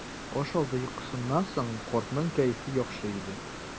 Аш алды йокысыннан соң картның кәефе яхшы иде.